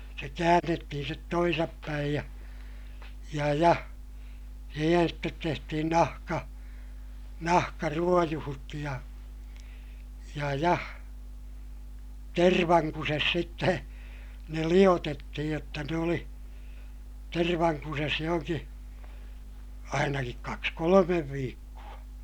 se käännettiin sitten toisinpäin ja ja ja siihen sitten tehtiin nahka nahkaruojut ja ja ja tervankusessa sitten ne liotettiin jotta ne oli tervankusessa johonkin ainakin kaksi kolme viikkoa